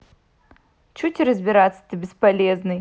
чуть разбираться ты бесполезный